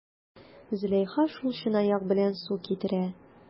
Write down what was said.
Зөләйха шул чынаяк белән су китерә.